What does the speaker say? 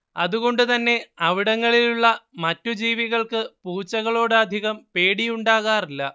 അതുകൊണ്ട് തന്നെ അവിടങ്ങളിലുള്ള മറ്റു ജീവികൾക്ക് പൂച്ചകളോട് അധികം പേടിയുണ്ടാകാറില്ല